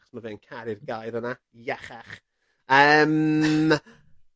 ...ma' fe'n caru'r gair yna, iachach. Yym.